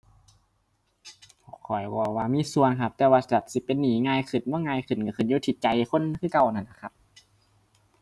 ข้อยเว้าว่ามีส่วนครับ แต่ว่าก็สิเป็นหนี้ง่ายขึ้นบ่ง่ายขึ้นก็ขึ้นอยู่ที่ใจคนคือเก่านั่นล่ะครับ